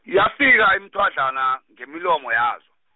yafika imithwadlana, ngemilomo yazo.